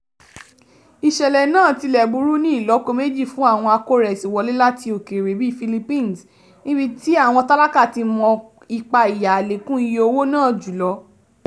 Ìṣẹ̀lẹ̀ náà tilẹ̀ burú ní ìlọ́po méjì fún àwọn akórẹsìwọlé láti òkèèrè bíi Philippines, níbi tí àwọn tálákà ti mọ ipa ìyá àlékún iye owó náà jùlọ.